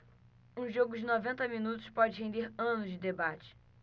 um jogo de noventa minutos pode render anos de debate